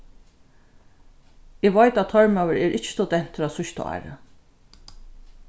eg veit at tormóður er ikki studentur á síðsta ári